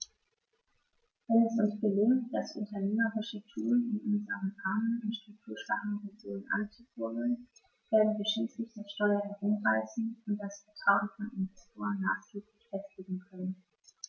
Wenn es uns gelingt, das unternehmerische Tun in unseren armen und strukturschwachen Regionen anzukurbeln, werden wir schließlich das Steuer herumreißen und das Vertrauen von Investoren maßgeblich festigen können.